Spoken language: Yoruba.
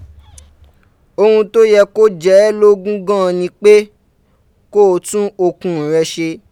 Ohun tó yẹ kó jẹ ẹ́ lógún gan an ni pé kó o tún okun rẹ ṣe.